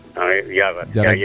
Amiin Ndiafad jerejef